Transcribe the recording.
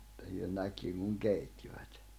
että he näki kun keittivät